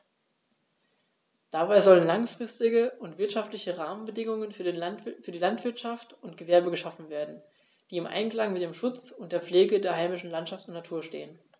Dabei sollen langfristige und wirtschaftliche Rahmenbedingungen für Landwirtschaft und Gewerbe geschaffen werden, die im Einklang mit dem Schutz und der Pflege der heimischen Landschaft und Natur stehen.